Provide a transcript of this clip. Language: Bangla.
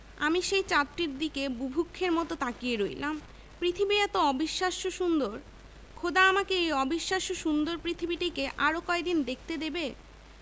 আমি সেই চাঁদটির দিকে বুভুক্ষের মতো তাকিয়ে রইলাম পৃথিবী এতো অবিশ্বাস্য সুন্দর খোদা আমাকে এই অবিশ্বাস্য সুন্দর পৃথিবীটিকে আরো কয়দিন দেখতে দেবে